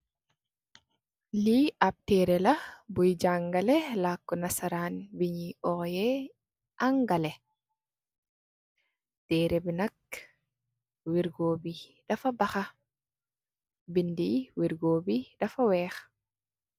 Lii ap terreh la bui jangaleh lakku nasaran bi ñoyeh owéé Angaleh. Terreh bi nak wirgo bi dafa baxa, bindi wirgo bi dafa wèèx.